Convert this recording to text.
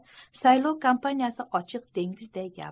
saylov kompaniyasi ochiq dengizday gap